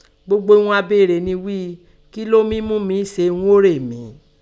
Gbogbo ihun a béèrè ni wí i, Kín lọ́ mí mú kín mi se ihun ó rè mí?